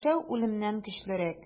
Яшәү үлемнән көчлерәк.